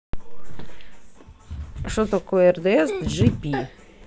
что такое рдс джи пи